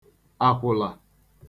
àkwụ̀là